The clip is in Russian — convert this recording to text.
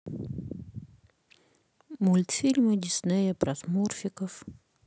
мультфильмы диснея про смурфиков